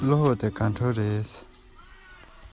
མོས སྣ རྫིག རྫིག དང མིག